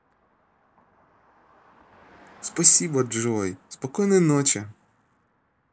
спасибо джой спокойной ночи